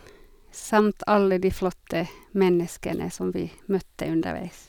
Samt alle de flotte menneskene som vi møtte underveis.